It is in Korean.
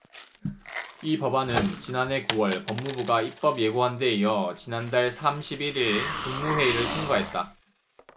이 법안은 지난해 구 월 법무부가 입법예고한데 이어 지난달 삼십 일 일 국무회의를 통과했다